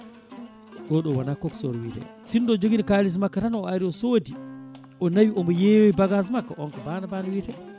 oɗo wona coxeur wiyete sinno ko joguiɗo kaliss makko tan o ari o soodi o nawi omo yeeyoya bagage makko on ko banabana wiyete